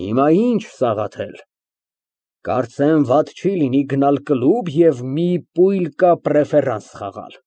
Հիմա ի՞նչ անենք, Սաղաթել։ Կարծես վատ չի լինի գնալ կլուբ և մի պույլկա պրեֆերանս խաղալ։